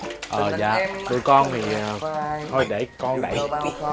à dạ tụi con thì thôi để con đẩy